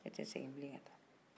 k'e tɛ segin bilen ka taa